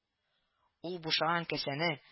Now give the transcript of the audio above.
—ул бушаган касәне